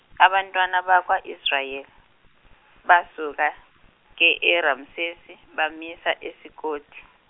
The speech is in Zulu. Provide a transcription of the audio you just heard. abantwana bakwa Israel, basuka, ke eRamsesi bamisa eSukoti.